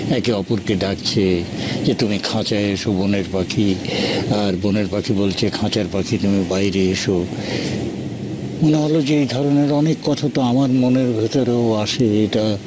একে অপরকে ডাকছে যে তুমি খাঁচায় এস বনের পাখি আর বনের পাখি বলছে খাঁচার পাখি তুমি বাইরে এসো বাইরে এসো মনে হল যে এই ধরনের অনেক কথা তো আমার মনের ভেতরে আসে এটা